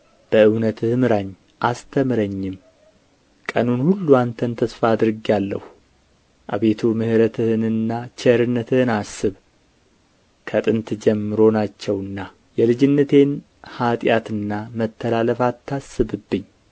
በእውነትህ ምራኝ አስተምረኝም ቀኑን ሁሉ አንተን ተስፋ አድርጌአለሁ አቤቱ ምሕረትህንና ቸርነትህን አስብ ከጥንት ጀምሮ ናቸውና የልጅነቴን ኃጢአትና መተላለፍ አታስብብኝ